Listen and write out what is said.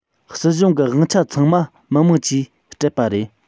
སྲིད གཞུང གི དབང ཆ ཚང མ མི དམངས ཀྱིས སྤྲད པ རེད